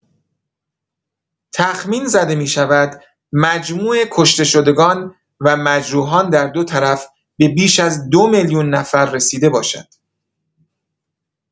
تخمین زده می‌شود مجموع کشته شدگان و مجروحان در دو طرف به بیش از دو میلیون نفر رسیده باشد.